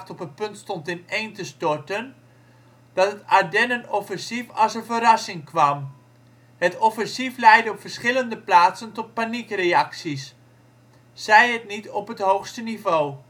punt stond ineen te storten, dat het Ardennenoffensief als een verrassing kwam. Het offensief leidde op verschillende plaatsen tot paniekreacties, zij het niet op het hoogste niveau